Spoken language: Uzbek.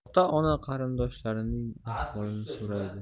ota ona qarindoshlarning ahvolini so'raydi